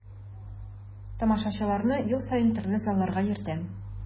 Тамашачыларны ел саен төрле залларга йөртәм.